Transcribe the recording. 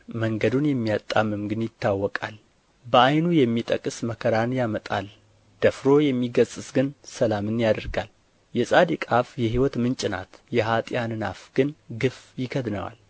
መንገዱን የሚያጣምም ግን ይታወቃል በዓይኑ የሚጠቅስ መከራን ያመጣል ደፍሮ የሚገሥጽ ግን ሰላምን ያደርጋል የጻድቅ አፍ የሕይወት ምንጭ ናት የኃጥኣንን አፍ ግን ግፍ ይከድነዋል